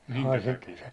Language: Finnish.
minkä takia